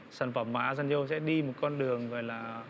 sản phẩm mà a san dô sẽ đi một con đường gọi là